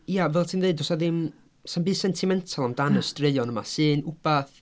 Ia fel ti'n deud does na ddim, sna'm byd sentimental... ie ...am y straeon yma sy'n wbath...